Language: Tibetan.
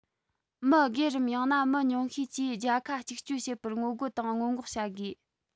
མི སྒེར རམ ཡང ན མི ཉུང ཤས ཀྱིས བརྒྱ ཁ གཅིག གཅོད བྱེད པར ངོ རྒོལ དང སྔོན འགོག བྱ དགོས